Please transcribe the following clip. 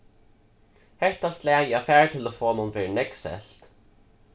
hetta slagið av fartelefonum verður nógv selt